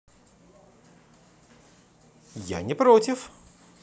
я не против